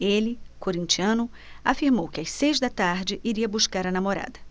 ele corintiano afirmou que às seis da tarde iria buscar a namorada